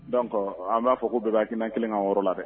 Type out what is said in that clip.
Dɔn an b'a fɔ ko bɛɛ' kelen ka yɔrɔ la dɛ